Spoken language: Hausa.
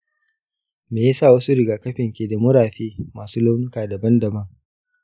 me ya sa wasu rigakafin ke da murafe masu launuka daban-daban?